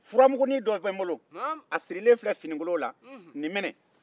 furamugunin dɔ be n bolo a sirilen filɛ fininkolon na a minɛ